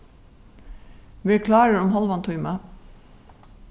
ver klárur um hálvan tíma